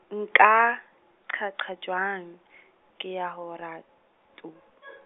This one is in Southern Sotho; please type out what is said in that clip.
nka qhaqha jwang, ke ya ho ratu .